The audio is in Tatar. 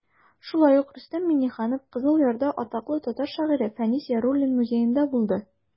Шулай ук Рөстәм Миңнеханов Кызыл Ярда атаклы татар шагыйре Фәнис Яруллин музеенда булды.